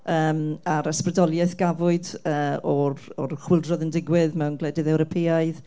yym a'r ysbrydoliaeth gafwyd yy o'r o'r chwyldro oedd yn digwydd mewn gwledydd Ewropeaidd.